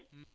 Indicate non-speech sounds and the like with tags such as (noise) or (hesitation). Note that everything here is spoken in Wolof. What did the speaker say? (hesitation)